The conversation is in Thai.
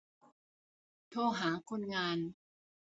โทรหาคนงาน